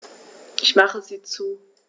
Ich mache sie zu.